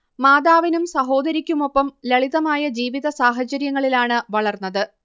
മാതാവിനും സഹോദരിക്കുമൊപ്പം ലളിതമായ ജീവിതസാഹചര്യങ്ങളിലാണ് വളർന്നത്